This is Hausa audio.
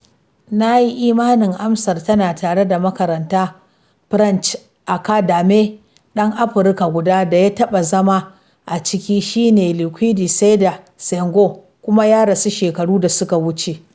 Na yi imanin amsar tana tare da makaratar French Academy: ɗan Afirka guda da ya taɓa zama a ciki shi ne Léopold Sédar Senghor, kuma ya rasu shekaru da suka wuce.